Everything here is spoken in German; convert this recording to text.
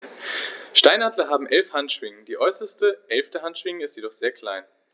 Steinadler haben 11 Handschwingen, die äußerste (11.) Handschwinge ist jedoch sehr klein.